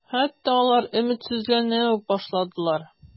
Хәтта алар өметсезләнә үк башладылар.